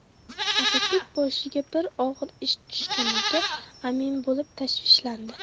asadbek boshiga bir og'ir ish tushganiga amin bo'lib tashvishlandi